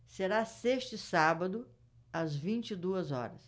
será sexta e sábado às vinte e duas horas